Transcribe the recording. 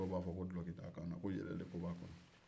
dɔw b'a fɔ ko dilɔki t'a la ko yɛlɛli de ko b'a kɔnɔ